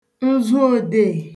nzuodeè